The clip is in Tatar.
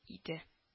Иде